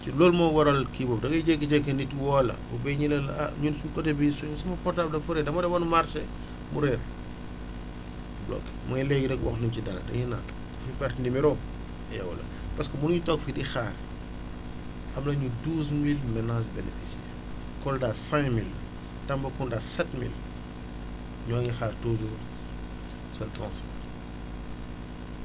ci loolu moo waral kii boobu da ngay jékki-jékki nit woo la ba bay ñu ne la ah ñun suñ côté bii suñ samaportable dafa réer dama demoon marché mu réer loolu mooy léegi rek waxtuñ ci dara dañuy naan dafa perte numéro am et wala parce que mënuñ toog fii di xaar am nañu 12000 ménages bénficiares Kolda 5000 Tambacounda 7000 ñoo ngi xaar toujours seen transfert